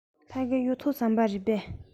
ཕ གི གཡུ ཐོག ཟམ པ རེད པས